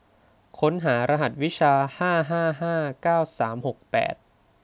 ค้นหารหัสวิชาห้าห้าห้าเก้าสามหกแปด